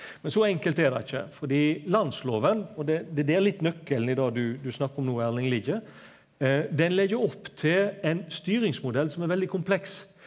men så enkelt er det ikkje fordi landsloven, og det det er der litt nøkkelen i det du du snakkar om no Erling ligg, den legg opp til ein styringsmodell som er veldig kompleks.